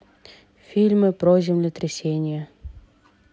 фильм про землетрясение